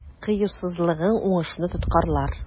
Кыюсызлыгың уңышны тоткарлар.